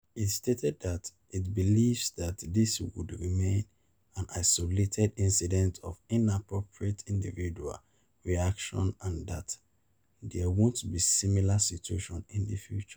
It stated that it "believes that this would remain an isolated incident of inappropriate individual reaction and that there won't be similar situations in the future".